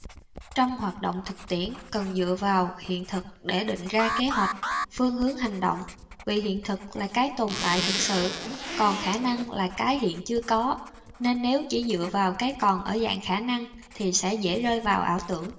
trong hoạt động thực tiễn cần dựa vào hiện thực để định ra kế hoạch phương hướng hành động vì hiện thực là cái tồn tại thực sự còn khả năng là cái hiện chưa có nên nếu chỉ dựa vào cái còn ở dạng khả năng thì sẽ dễ rơi vào ảo tưởng